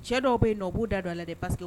Cɛ dɔw bɛ yen nɔ u'u da dɔ la de pa